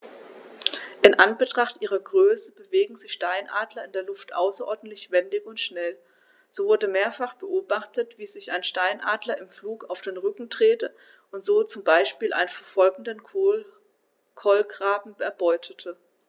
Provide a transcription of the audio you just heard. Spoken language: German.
In Anbetracht ihrer Größe bewegen sich Steinadler in der Luft außerordentlich wendig und schnell, so wurde mehrfach beobachtet, wie sich ein Steinadler im Flug auf den Rücken drehte und so zum Beispiel einen verfolgenden Kolkraben erbeutete.